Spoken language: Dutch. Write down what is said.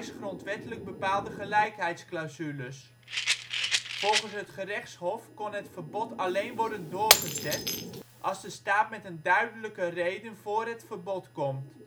grondwettelijk bepaalde gelijkheidsclausule. Volgens het gerechtshof kon het verbod alleen worden doorgezet als de staat met een duidelijke reden voor het verbod komt